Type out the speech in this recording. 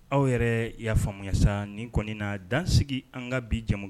Aw yɛrɛ y'a faamuyayasa nin kɔni na dansigi an ka bija